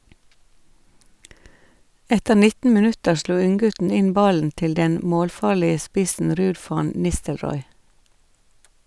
Etter 19 minutter slo unggutten inn ballen til den målfarlige spissen Ruud van Nistelrooy.